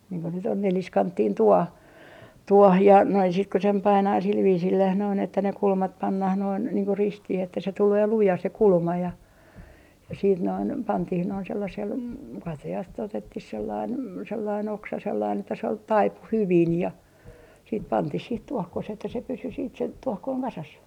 niin kun nyt on neliskanttinen tuohi tuohi ja näin sitten kun sen painaa sillä viisillään noin että ne kulmat pannaan noin niin kuin ristiin että se tulee luja se kulma ja ja sitten noin pantiin noin sellaisella katajasta otettiin sellainen sellainen oksa sellainen että se oli taipui hyvin ja sitten pantiin siihen tuokkoseen että se pysyi sitten se tuokkonen kasassa